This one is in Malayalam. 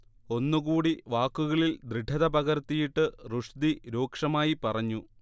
ഒന്നുകൂടി വാക്കുകളിൽ ദൃഢത പകർത്തിയിട്ട് റുഷ്ദി രൂക്ഷമായി പറഞ്ഞു